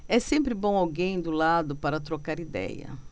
é sempre bom alguém do lado para trocar idéia